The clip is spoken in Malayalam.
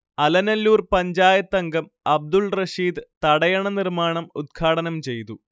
അലനല്ലൂർ പഞ്ചായത്തംഗം അബ്ദുൾറഷീദ് തടയണ നിർമാണം ഉദ്ഘാടനംചെയ്തു